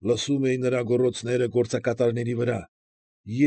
Լսում էի նրա գոռոցները գործակատարների վրա։